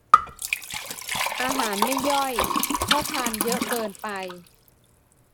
อาหารไม่ย่อยเพราะทานเยอะเกินไป